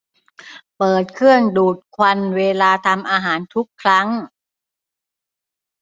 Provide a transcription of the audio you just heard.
เปิดเครื่องดูดควันเวลาทำอาหารทุกครั้ง